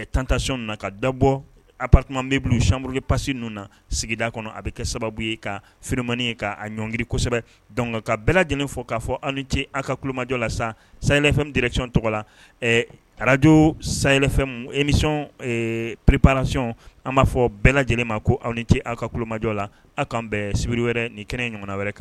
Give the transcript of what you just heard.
Tantay na ka dabɔ a bɛ samurue pasi ninnu na sigida kɔnɔ a bɛ kɛ sababu ye ka fmani ye'a ɲɔngiriri kosɛbɛ don ka bɛɛ lajɛlen fɔ k'a fɔ aw ce aw ka kumajɔ la sa sayɛlɛfɛn drecon tɔgɔ la arajo sayɛlɛ emi p-pracɔn an b'a fɔ bɛɛ lajɛlen ma ko aw ni ce aw ka kumajɔ la aw kaan bɛn sibiri wɛrɛ ni kɛnɛ ɲɔgɔn wɛrɛ kan